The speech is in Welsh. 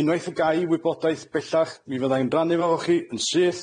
Unwaith y ga i wybodaeth bellach, mi fyddai'n rannu fo 'fo chi, yn syth.